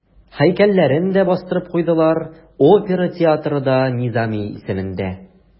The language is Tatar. Һәйкәлләрен дә бастырып куйдылар, опера театры да Низами исемендә.